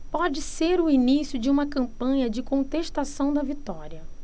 pode ser o início de uma campanha de contestação da vitória